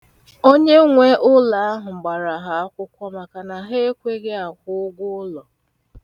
Onye nwe ụlọ ahụ gbara ha akwụkwọ maka na ha ekweghị akwụ ụgwụụlọ.